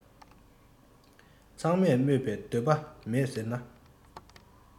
ཚང མས སྨོད པའི འདོད པ མེད ཟེར ན